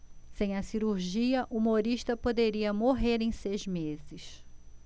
sem a cirurgia humorista poderia morrer em seis meses